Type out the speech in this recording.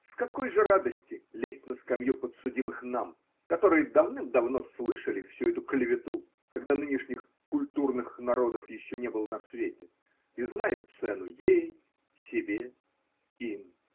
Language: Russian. С какой же радости лезть на скамью подсудимых нам, которые давным-давно слышали всю эту клевету, когда нынешних культурных народов еще не было на свете, и знаем цену ей. себе. им?